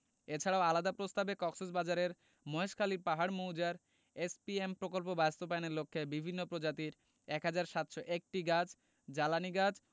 এছাড়া আলাদা প্রস্তাবে কক্সেসবাজারের মহেশখালীর পাহাড় মৌজার এসপিএম প্রকল্প বাস্তবায়নের লক্ষ্যে বিভিন্ন প্রজাতির ১ হাজার ৭০১টি গাছ জ্বালানি গাছ